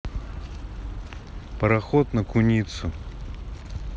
пароход на куницу